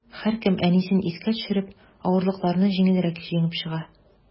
Һәркем, әнисен искә төшереп, авырлыкларны җиңелрәк җиңеп чыга.